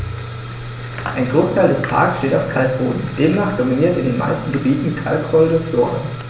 Ein Großteil des Parks steht auf Kalkboden, demnach dominiert in den meisten Gebieten kalkholde Flora.